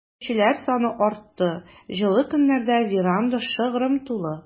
Йөрүчеләр саны артты, җылы көннәрдә веранда шыгрым тулы.